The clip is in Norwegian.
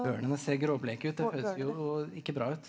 barnene ser gråbleke ut det høres jo ikke bra ut.